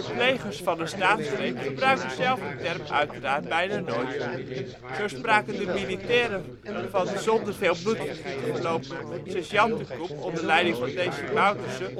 plegers van een staatsgreep gebruiken zelf de term uiteraard bijna nooit. Zo spraken de militairen van de zonder veel bloedvergieten verlopen ' sergeantencoup ' onder leiding van Desi Bouterse